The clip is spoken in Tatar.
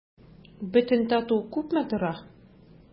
Бөтен тату күпме тора?